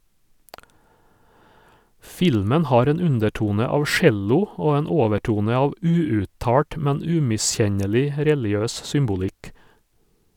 Filmen har en undertone av cello og en overtone av uuttalt, men umiskjennelig religiøs symbolikk.